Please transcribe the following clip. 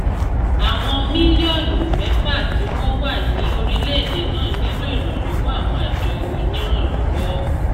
Àwọn mílíọ́nù 6 tí wọ́n wà ní orílẹ̀-èdè náà nílò ìrànlọ́wọ́ àwọn àjọ onírànlọ́wọ́.